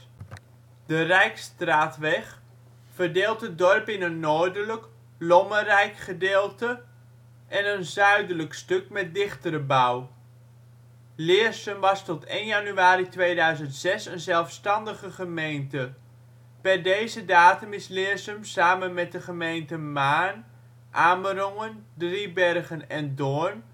De Rijksstraatweg verdeelt het dorp in een noordelijk, lommerrijk gedeelte en een zuidelijk stuk met dichtere bouw. Leersum was tot 1 januari 2006 een zelfstandige gemeente. Per deze datum is Leersum samen met de gemeenten Maarn, Amerongen, Driebergen en Doorn